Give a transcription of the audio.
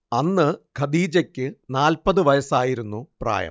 അന്ന് ഖദീജക്ക് നാൽപത് വയസ്സായിരുന്നു പ്രായം